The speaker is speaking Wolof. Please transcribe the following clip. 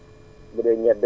dëgg la